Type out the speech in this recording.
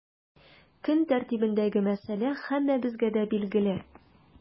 Көн тәртибендәге мәсьәлә һәммәбезгә дә билгеле.